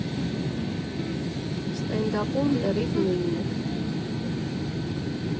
Ստենդափում լրիվ նույնն է։